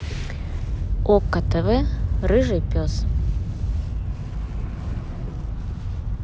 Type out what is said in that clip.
окко тв рыжий пес